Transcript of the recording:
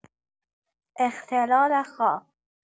اختلال خواب